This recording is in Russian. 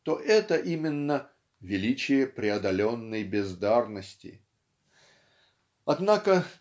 то это именно -- величие преодоленной бездарности. Однако